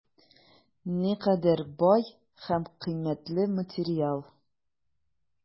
Никадәр бай һәм кыйммәтле материал!